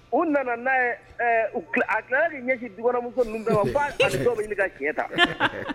U nana n'a ye ɛɛ a tilala k'i ɲɛsin dumuso ninnu bɛɛ ma fo a ni bɛ ɲini ka siɲɛ ta